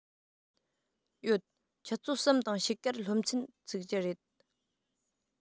ཡོད ཆུ ཚོད གསུམ དང ཕྱེད ཀར སློབ ཚན ཚུགས ཀྱི རེད